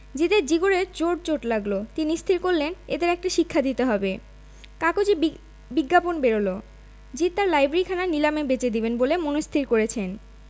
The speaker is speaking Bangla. জিদে র জিগরে জোর চোট লাগল তিনি স্থির করলেন এদের একটা শিক্ষা দিতে হবে কাগজে বিজ্ঞাপন বেরল জিদ তাঁর লাইব্রেরিখানা নিলামে বেচে দেবেন বলে মনস্থির করেছেন